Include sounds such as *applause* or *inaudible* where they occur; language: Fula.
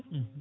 *hesitation* *hesitation*